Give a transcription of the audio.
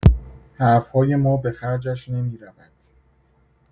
حرف‌های ما به خرجش نمی‌رود.